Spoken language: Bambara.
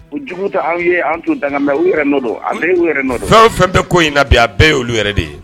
U jugu te aw ye an' t'u danga mais u yɛrɛ nɔ don a bɛɛ y'u yɛrɛ nɔ don fɛn o fɛn bɛ ko in na bi a be ye olu yɛrɛ de ye